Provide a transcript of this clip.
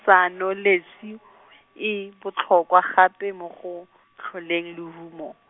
sanolesi , e botlhokwa gape mo go, tlholeng lehumo.